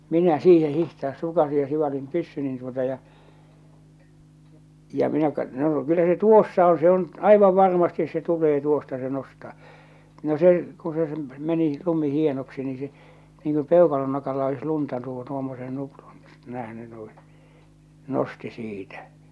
minä siihen hiihtää sukasin ja sivalsin pyssyni tuota ja ja minä - no kyllä se tuossa on se on aivan varmasti se tulee tuosta se nostaa no se kun se se meni lumi hienoksi niin se niin kuin peukalon nokalla olisi lunta - tuommoisen nuprun nähnyt niin nosti siitä